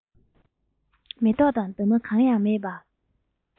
མེ ཏོག དང འདབ མ གང ཡང མེད པ